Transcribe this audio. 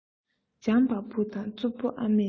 འཇམ པ བུ དང རྩུབ པ ཨ མས བྱེད